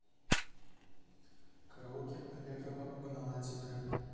караоке аллегрова угнала тебя